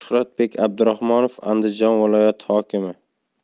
shuhratbek abdurahmonov andijon viloyati hokimi